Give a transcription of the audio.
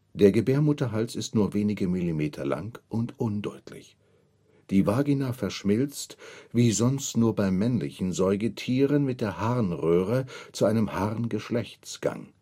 Der Gebärmutterhals ist nur wenige Millimeter lang und undeutlich. Die Vagina verschmilzt – wie sonst nur bei männlichen Säugetieren – mit der Harnröhre zu einem Harn-Geschlechtsgang